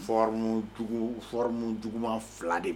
formes, formes juguman 2 de